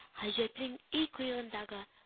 Хаҗәтнең өй кыегыңдагы